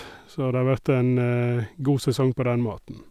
Så det har vært en god sesong på den måten.